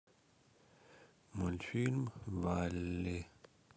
мультфильм валли